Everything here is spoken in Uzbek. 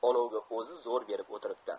olovga o'zi zo'r berib o'tiribdi